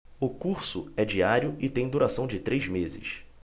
o curso é diário e tem duração de três meses